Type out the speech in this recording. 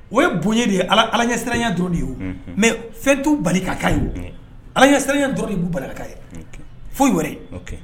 O ye bonya de ye, Ala ɲɛsiranya dɔrɔn de ye o mais fɛnt'u bali ka ka ye, o ala ɲɛsirayan dɔrɔn de b'u ye foyi yɛrɛ.